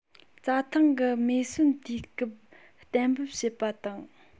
རྩྭ ཐང གི མེ ཟོན དུས སྐབས གཏན འབེབས བྱེད པ དང